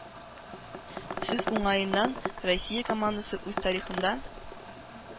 Сүз уңаеннан, Россия командасы үз тарихында